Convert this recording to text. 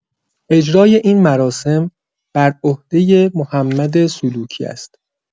اجرای این مراسم بر عهده محمد سلوکی است.